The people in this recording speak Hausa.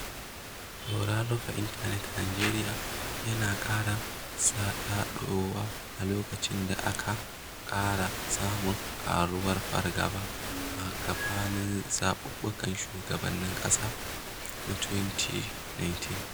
Tsoron rufe intanet a Najeriya yana ƙara saɗaɗowa a lokacin da ake ƙara samun ƙaruwar fargaba a gabanin zaɓuɓɓukan shugaban ƙasa na 2019.